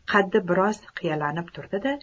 qaddi bir oz qiyalanib turdi da